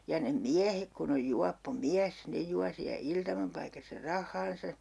ja ne miehet kun on juoppo mies ne juo siellä iltamapaikassa rahansa